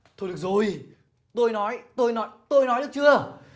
thôi được rồi tôi nói tôi nói tôi nói được chưa